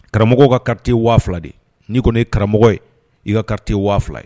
Karamɔgɔw ka ka waa fila ye n'i kɔni ye karamɔgɔ ye i ka ka waa fila ye